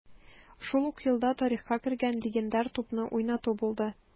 Шул ук елда тарихка кергән легендар тупны уйнату булды: